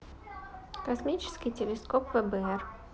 космический телескоп вбр